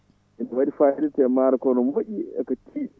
ina waɗi fayida te maaro ko ne moƴƴi e ka tiiɗi